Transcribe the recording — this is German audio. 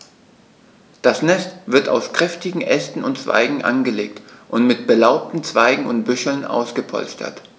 Das Nest wird aus kräftigen Ästen und Zweigen angelegt und mit belaubten Zweigen und Büscheln ausgepolstert.